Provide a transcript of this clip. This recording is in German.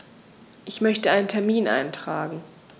Ich möchte einen Termin eintragen.